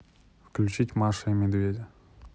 включить маша и медведя